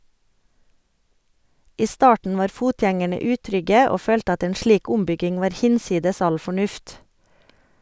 I starten var fotgjengerne utrygge og følte at en slik ombygging var hinsides all fornuft.